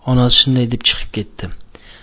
onasi shunday deb chiqib ketdi